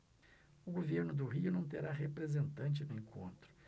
o governo do rio não terá representante no encontro